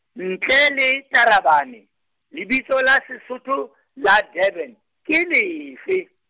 ntle le Tarabane, lebitso la Sesotho, la Durban, ke lefe?